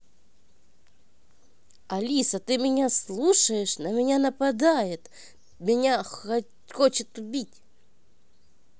алиса ты меня слушаешь на меня нападает меня хочет убить